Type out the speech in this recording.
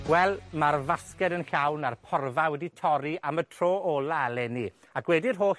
Wel, mae'r fasged yn llawn, a'r porfa wedi torri am y tro ola eleni. Ac wedi'r holl